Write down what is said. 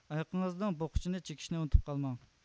ئايىقىڭىزنىڭ بوققۇچىنى چىگىشنى ئۇنتۇپ قاپسىز